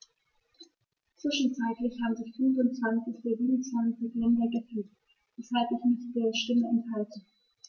Zwischenzeitlich haben sich 25 der 27 Länder gefügt, weshalb ich mich der Stimme enthalte.